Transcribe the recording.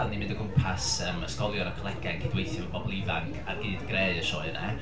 Oedden ni'n mynd o gwmpas yym, ysgolion a colegau yn cydweithio efo pobol ifanc ar cyd-greu y sioe yna.